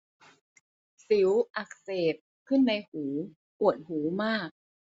สิวอักเสบขึ้นในหูปวดหูมาก